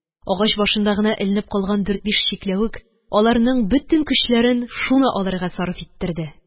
Агач башында гына эләгеп калган дүрт-биш чикләвек аларның бөтен көчләрен шуны алырга сарыф иттерде.